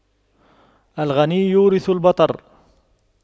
الغنى يورث البطر